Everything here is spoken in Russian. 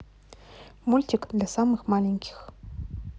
мультик для самых маленьких